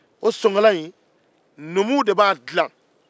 numw de b'o sonkala in dila